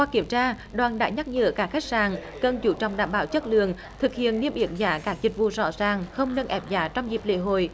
qua kiểm tra đoàn đã nhắc nhở cả khách sạn cần chú trọng đảm bảo chất lượng thực hiện niêm yết giá cả dịch vụ rõ ràng không nâng ép giá trong dịp lễ hội